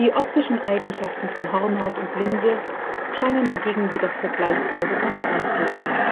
optischen Eigenschaften von Hornhaut und Linse scheinen dagegen jedoch vergleichsweise konstant zu sein